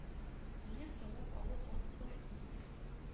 Минем сайлап алу хокукым булмады